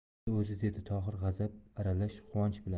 xuddi o'zi dedi tohir g'azab aralash quvonch bilan